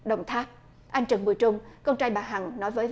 đồng tháp anh trần bùi trung con trai bà hằng nói với